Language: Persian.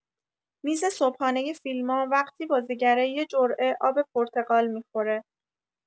میز صبحانۀ فیلما وقتی بازیگره یه جرعه آب پرتقال می‌خوره